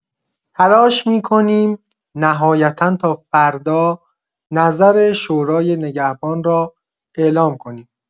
تلاش می‌کنیم نهایتا تا فردا نظر شورای نگهبان را اعلام کنیم.